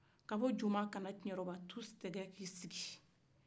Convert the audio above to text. ka bɔ joma ka na kiɲɛrɔba tu tɛ gɛ k'i sigi